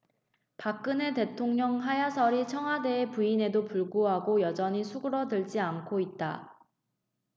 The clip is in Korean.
박근혜 대통령 하야설이 청와대의 부인에도 불구하고 여전히 수그러들지 않고 있다